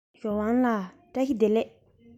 ཞའོ ཝང ལགས བཀྲ ཤིས བདེ ལེགས